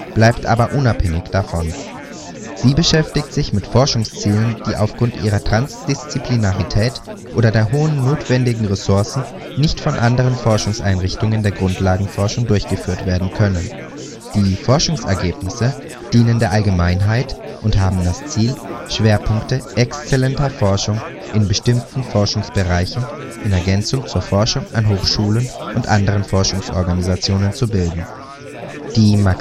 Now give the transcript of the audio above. bleibt aber unabhängig davon. Sie beschäftigt sich mit Forschungszielen, die aufgrund ihrer Transdisziplinarität oder der hohen notwendigen Ressourcen nicht von anderen Forschungseinrichtungen der Grundlagenforschung durchgeführt werden können. Die Forschungsergebnisse dienen der Allgemeinheit und haben das Ziel, Schwerpunkte exzellenter Forschung in bestimmten Forschungsbereichen in Ergänzung zur Forschung an Hochschulen und anderen Forschungsorganisationen zu bilden. Sie